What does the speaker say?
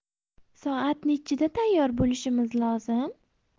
soat nechida tayyor bo'lishimiz lozim